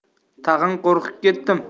tag'in qo'rqib ketdim